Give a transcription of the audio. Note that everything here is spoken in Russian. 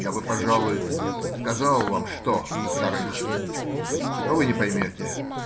Я бы, пожалуй, сказал вам, что во-вторых. но вы не поймете.